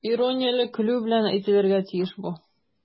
Иронияле көлү белән әйтелергә тиеш бу.